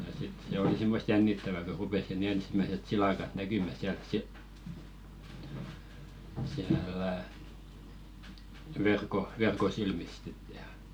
ja sitten se oli semmoista jännittävää kun rupesi sinne ensimmäiset silakat näkymään sieltä - siellä verkon verkon silmistä sitten ja